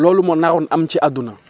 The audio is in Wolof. loolu moo naroon am ci adduna